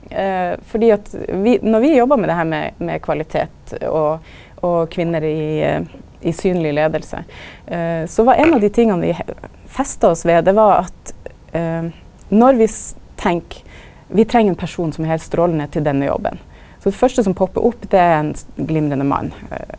fordi at vi når vi jobba med det her med kvalitet og og kvinner i synleg leiing så var ei av dei tinga vi festa oss ved det var at når vi tenker vi treng ein person som er heilt strålande til denne jobben, så det første som poppar opp det er ein glimrande man .